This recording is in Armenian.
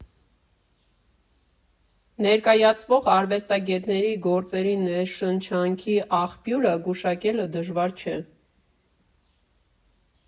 Ներկայացվող արվեստագետների գործերի ներշնչանքի աղբյուրը գուշակելը դժվար չէ։